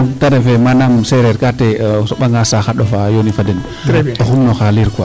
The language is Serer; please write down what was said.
Donc refee manaam seereer ka te o soɓanga saax a ɗofaa yooni fa den o xumnu xa liir quoi.